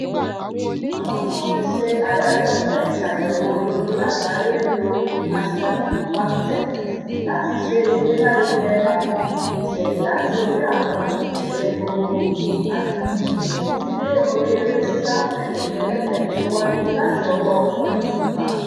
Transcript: Àwọn tí wọ́n ń ṣe àyájọ́ Ọjọ́ Ìṣàyẹ̀wò Òdodo Lágbàáyé ń lo #FactCheckIt láti ṣe ìgbélárugẹ àwọn ìṣẹ̀lẹ̀ láti orí àwọn ìṣẹ̀lẹ̀ gbogbogbò àti ibi-iṣẹ́ títí dé orí eré sísá fún ìròyìn ẹlẹ́jẹ̀ tí ó wáyé láti ọwọ́ PolitiFact.